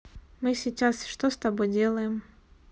мы сейчас что с тобой делаем